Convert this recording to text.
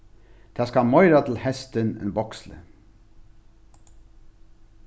tað skal meira til hestin enn bokslið